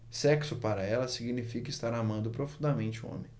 sexo para ela significa estar amando profundamente um homem